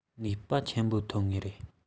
ནུས པ ཆེན པོ ཐོན ངེས རེད